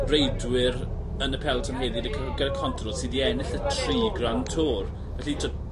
reidwyr yn y Peleton heddi 'da cy- yy gyda Contador sy 'di ennill y tri Grand Tour. Felly t'o'